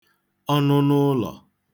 ọnụnụụlọ̀